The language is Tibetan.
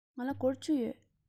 ང ལ སྒོར བཅུ ཡོད